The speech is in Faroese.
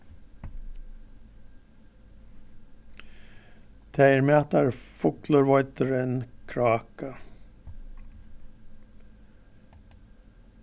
tað er mætari fuglur veiddur enn kráka